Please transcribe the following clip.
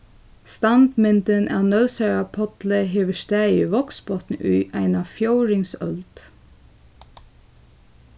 standmyndin av nólsoyar pálli hevur staðið í vágsbotni í eina fjórðings øld